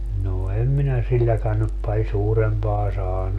no en minä silläkään nyt paljon suurempaa saanut